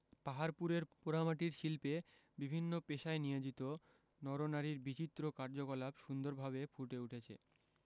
পাহাড়পুরের পোড়ামাটির শিল্পে বিভিন্ন পেশায় নিয়োজিত নর নারীর বিচিত্র কার্যকলাপ সুন্দরভাবে ফুটে উঠেছে